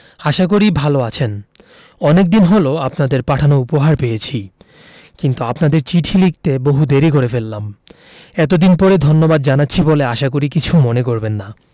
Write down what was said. আশা করি ভালো আছেন অনেকদিন হল আপনাদের পাঠানো উপহার পেয়েছি কিন্তু আপনাদের চিঠি লিখতে বহু দেরী করে ফেললাম এতদিন পরে ধন্যবাদ জানাচ্ছি বলে আশা করি কিছু মনে করবেন না